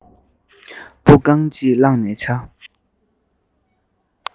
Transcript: འབུ རྐང གཅིག བླངས ནས འཆའ